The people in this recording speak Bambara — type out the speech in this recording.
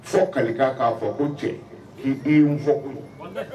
Fɔ ka kaa fɔ ko cɛ fɔ